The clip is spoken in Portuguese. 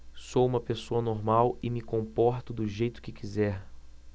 sou homossexual e me comporto do jeito que quiser